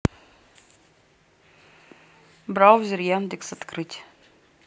браузер яндекс открыть